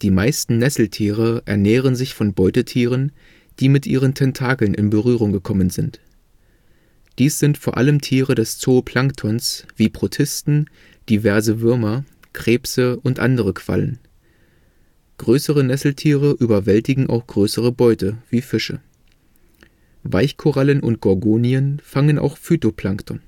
meisten Nesseltiere ernähren sich von Beutetieren, die mit ihren Tentakeln in Berührung gekommen sind. Dies sind vor allem Tiere des Zooplanktons, wie Protisten, diverse Würmer, Krebse und andere Quallen. Größere Nesseltiere überwältigen auch größere Beute wie Fische. Weichkorallen und Gorgonien fangen auch Phytoplankton